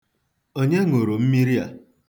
Onye ṅụrụ mmiri m?